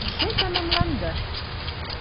Кичә тәмамланды.